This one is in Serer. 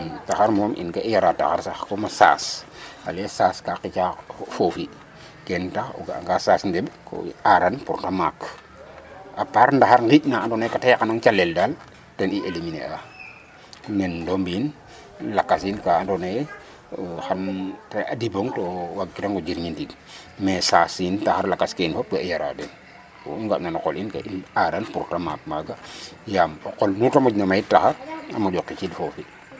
Taxar moom ka i yara taxar sax comme saas qicaa foofi ken tax o ga'angaa saas ndeɓ koo aaran pour :fre ta maak à part ndaxar qiic na ka ta yaqanong calel daal ten i éliminer a nen ndomiin lakasin ka andoona yee xan ta dimbong to waagkirang o njiriñ ɗig mais saas taxar lakas ke yin fop ka i yara den ku i nga'na no qol in ka i aaran pour ta maak maaga yaam o qol nu ta moƴna mayit taxar i moƴo xiciid foofi.